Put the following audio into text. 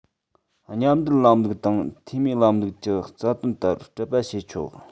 མཉམ འབྲེལ ལམ ལུགས དང འཐུས མིའི ལམ ལུགས ཀྱི རྩ དོན ལྟར གྲུབ པ བྱས ཆོག